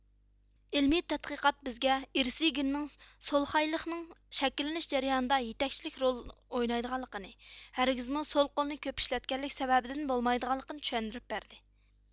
ئىلمىي تەتقىقات بىزگە ئىرسىي گېننىڭ سولخايلىقنىڭ شەكىللىنىش جەريانىدا يېتەكچىلىك رولىنى ئوينايدىغانلىقىنى ھەرگىزمۇ سول قولىنى كۆپ ئىشلەتكەنلىك سەۋەبىدىن بولمايدىغانلىقىنى چۈشەندۈرۈپ بەردى